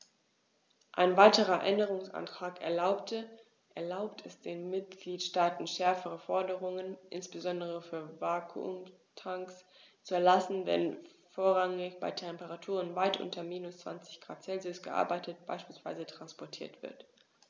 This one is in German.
Ein weiterer Änderungsantrag erlaubt es den Mitgliedstaaten, schärfere Forderungen, insbesondere für Vakuumtanks, zu erlassen, wenn vorrangig bei Temperaturen weit unter minus 20º C gearbeitet bzw. transportiert wird.